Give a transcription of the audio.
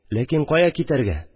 Ләкин кая китәргә